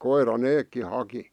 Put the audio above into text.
koira nekin haki